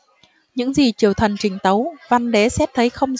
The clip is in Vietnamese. những gì triều thần trình tấu văn đế xét thấy không